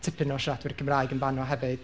tipyn o siaradwyr Cymraeg yn fan'no hefyd.